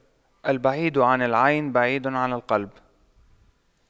البعيد عن العين بعيد عن القلب